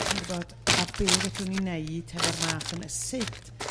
Chi'n gw'bod a be' fedrwn ni wneud hefo'r math yna... Sut